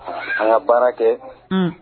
An ka baara kɛ, un